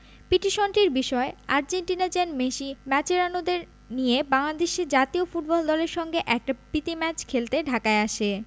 পিটিশনটির বিষয় আর্জেন্টিনা যেন মেসি মাচেরানোদের নিয়ে বাংলাদেশ জাতীয় ফুটবল দলের সঙ্গে একটা প্রীতি ম্যাচ খেলতে ঢাকায় আসে